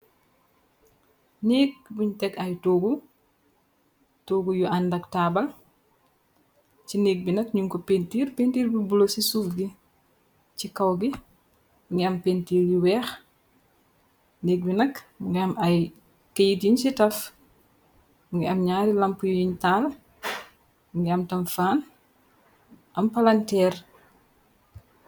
Nékk buñ teg ay toogu toogu yu andak taabal ci nég bi nak ñun ko pintiir pintiir bu bulo ci suuf gi ci kaw gi ngi am pintiir yu weex nék bi nak ngi am ay keyit yiñ ci taf ngi am ñaari lamp yu yuñ taal ngi am tam faan am palanteer.